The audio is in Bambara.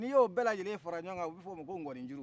ni y'o bɛlajɛle fara ɲɔgɔkan a bɛ f'oma ko ŋɔni juru